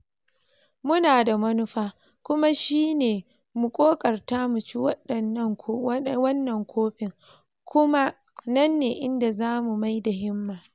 Mu na da manufa, kuma shi ne mu kokarta muci wannan kofin, kuma nan ne inda zamu mai da himma.